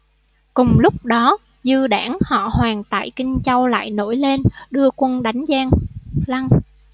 cùng lúc đó dư đảng họ hoàn tại kinh châu lại nổi lên đưa quân đánh giang lăng